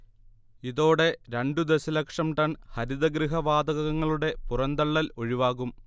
ഇതോടെ രണ്ടു ദശലക്ഷം ടൺ ഹരിതഗൃഹ വാതകങ്ങളുടെ പുറന്തള്ളൽ ഒഴിവാകും